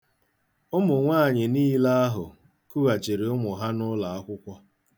Ụmụ nwaanyị niile ahụ kughachiri ụmụ ha n'ụlọakwụkwọ.